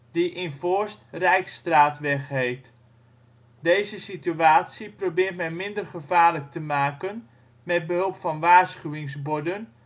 die in Voorst Rijksstraatweg heet. Deze situatie probeert men minder gevaarlijk te maken, met behulp van waarschuwingsborden